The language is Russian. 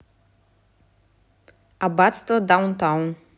аббатство даунтон